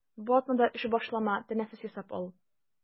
Бу атнада эш башлама, тәнәфес ясап ал.